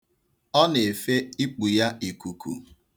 Ọ na-efe ikpu ya ikuku.